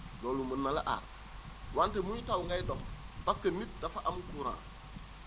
loolu mën na la aar wante muy taw ngay dox parce nit dafa am courant